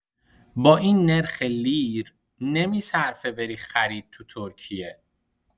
با این نرخ لیر، نمی‌صرفه بری خرید تو ترکیه!